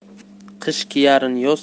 qish kiyarin yoz